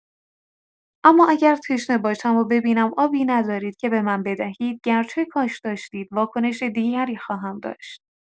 اما اگر تشنه باشم و ببینم آبی ندارید که به من بدهید، گرچه کاش داشتید، واکنش دیگری خواهم داشت.